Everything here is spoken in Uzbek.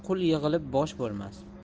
qul yig'ilib bosh bo'lmas